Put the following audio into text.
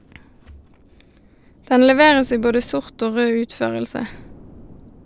Den leveres i både sort og rød utførelse.